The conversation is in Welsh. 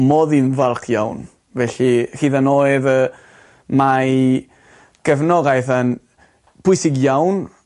modd i'n falch iawn felly hydd yn oedd yy mae gefnoddaeth yn pwysig iawn